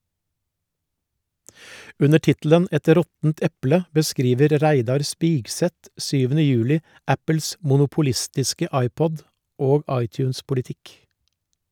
Under tittelen "Et råttent eple" beskriver Reidar Spigseth 7. juli Apples monopolistiske iPod- og iTunes-politikk.